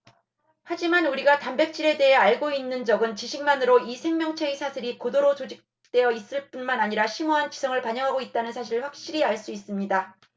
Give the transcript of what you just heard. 하지만 우리가 단백질에 대해 알고 있는 적은 지식만으로도 이 생명체의 사슬이 고도로 조직되어 있을 뿐만 아니라 심오한 지성을 반영하고 있다는 사실을 확실히 알 수 있습니다